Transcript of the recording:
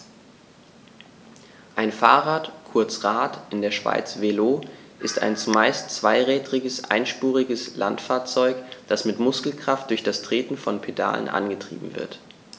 Ein Fahrrad, kurz Rad, in der Schweiz Velo, ist ein zumeist zweirädriges einspuriges Landfahrzeug, das mit Muskelkraft durch das Treten von Pedalen angetrieben wird.